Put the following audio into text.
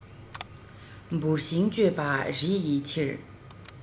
བུར ཤིང གཅོད པ རི ཡི ཕྱིར